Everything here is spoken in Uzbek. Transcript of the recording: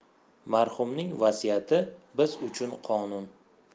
marhumning vasiyati biz uchun qonun